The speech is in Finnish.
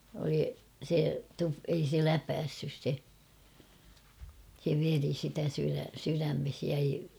oli se - ei se läpäissyt se se veri sitä - sydämeen jäi